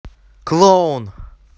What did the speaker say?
клоун